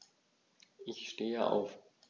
Ich stehe auf.